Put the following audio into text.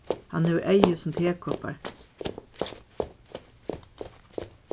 hann hevur eygu sum tekoppar